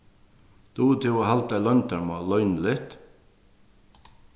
dugir tú at halda eitt loyndarmál loyniligt